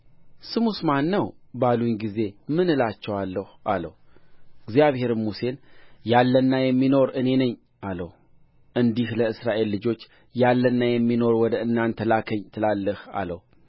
ስሙስ ማን ነው ባሉኝ ጊዜ ምን እላቸዋለሁ አለው እግዚአብሔርም ሙሴን ያለና የሚኖር እኔ ነኝ አለው እንዲህ ለእስራኤል ልጆች ያለና የሚኖር ወደ እናንተ ላከኝ ትላለህ አለው